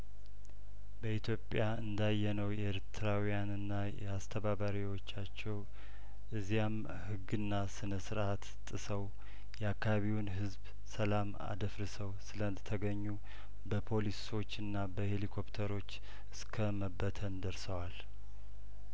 በኢትዮጵያ እንዳ የነው የኤርትራውያንና የአስተባባሪዎቻቸው እዚያም ህግና ስነ ስርአት ጥሰው የአካባቢውን ህዝብ ሰላም አደፍርሰው ስለተገኙ በፖሊሶችና በሄሊኮፕተሮች እስከመበተን ደርሰዋል